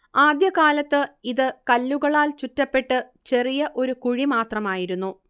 ആദ്യ കാലത്ത് ഇത് കല്ലുകളാൽ ചുറ്റപ്പെട്ട് ചെറിയ ഒരു കുഴി മാത്രമായിരുന്നു